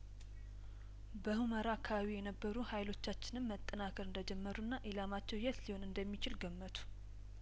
በሁመራ አካባቢ የነበሩ ሀይሎ ቻችንም መጠናከር እንደጀመሩና ኢላማቸው የት ሊሆን እንደሚችል ገመቱ